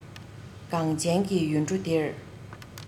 གངས ཅན གྱི ཡུལ གྲུ འདིར